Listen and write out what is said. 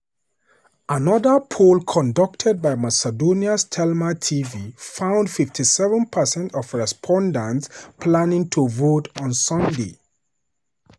Another poll, conducted by Macedonia's Telma TV, found 57 percent of respondents planning to vote on Sunday.